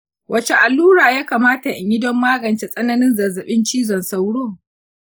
wace allura ya kamata in yi don magance tsananin zazzabin cizon sauro?